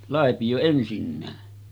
laipio ensinnäkin